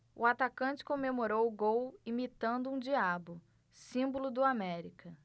o atacante comemorou o gol imitando um diabo símbolo do américa